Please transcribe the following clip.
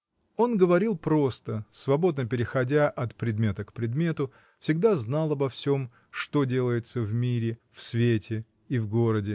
Он говорил просто, свободно переходя от предмета к предмету, всегда знал обо всем, что делается в мире, в свете и в городе